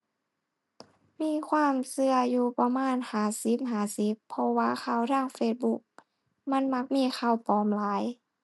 มีความเชื่ออยู่ประมาณห้าสิบห้าสิบเพราะว่าข่าวทาง Facebook มันมักมีข่าวปลอมหลาย